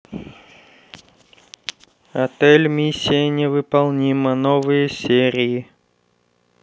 отель миссия невыполнима новые серии